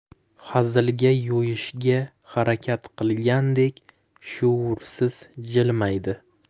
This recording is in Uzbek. hazilga yo'yishga harakat qilgandek shuursiz jilmaydi